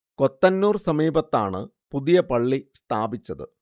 കൊത്തനൂർ സമീപത്താണ് പുതിയ പള്ളി സ്ഥാപിച്ചത്